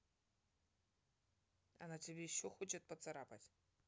она тебе еще хочет поцарапать